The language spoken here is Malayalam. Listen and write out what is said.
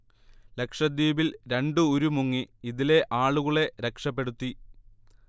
ലക്ഷദ്വീപിൽ രണ്ട് ഉരു മുങ്ങി ഇതിലെആളുകളെ രക്ഷപെടുത്തി